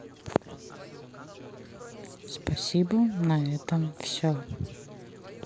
спасибо на этом все